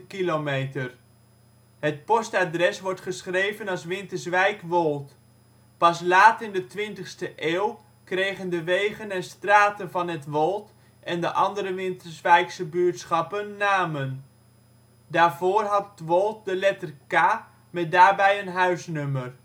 24 km². Het postadres wordt geschreven als Winterswijk-Woold. Pas laat in de 20ste eeuw kregen de wegen en straten van het Woold en de andere Winterswijkse buurtschappen namen. Daarvoor had ' t Woold de letter K met daarbij een huisnummer